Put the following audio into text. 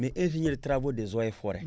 mais ingénieur travaux des eaux et forêt